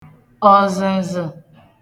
ọżə̣̀żə̣̀